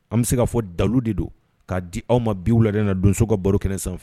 An bɛ se ka fɔ dalilu de don, k'a di aw ma bi wula da in na donso ka baro kɛnɛ sanfɛ